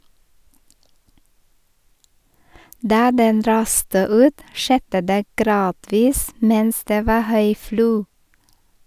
Da den raste ut, skjedde det gradvis mens det var høy flo.